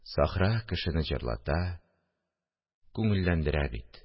Сахра кешене җырлата, күңелләндерә бит